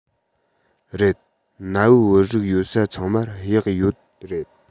རེད གནའ བོའི བོད རིགས ཡོད ས ཚང མར གཡག ཡོད རེད